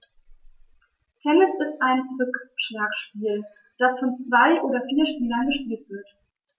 Tennis ist ein Rückschlagspiel, das von zwei oder vier Spielern gespielt wird.